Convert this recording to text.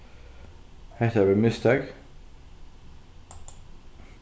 hetta var eitt mistak